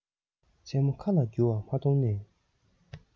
མཚན མོ མཁའ ལ རྒྱུ བ མ མཐོང ནས